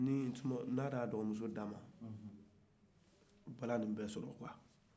ko n'a ya dɔgɔmuso d'a ma bala ni bɛ sɔrɔ